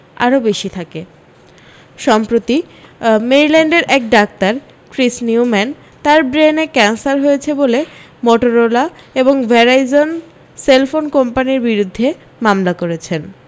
আরও বেশী থাকে সম্প্রতি মেরিল্যান্ডের এক ডাক্তার ক্রিস নিউম্যান তার ব্রেনে ক্যানসার হয়েছে বলে মোটোরোলা এবং ভেরাইজন সেলফোন কোম্পানির বিরুদ্ধে মামলা করেছেন